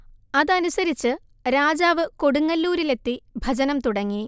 അതനുസരിച്ച് രാജാവ് കൊടുങ്ങല്ലൂരിലെത്തി ഭജനം തുടങ്ങി